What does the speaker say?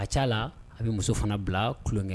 A c'a la a be muso fana bila kuloŋɛ